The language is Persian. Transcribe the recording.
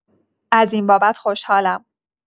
از این بابت خوشحالم.